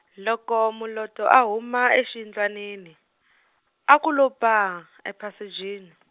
loko Moloto a huma exiyindlwanini, a ku lo paa ephasejini.